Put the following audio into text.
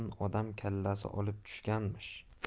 xurjun odam kallasini olib tushganmish